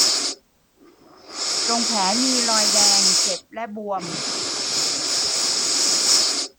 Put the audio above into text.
ตรงแผลมีรอยแดงเจ็บและบวม